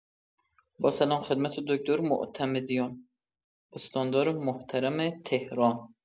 با سلام خدمت دکتر معتمدیان، استاندار محترم تهران.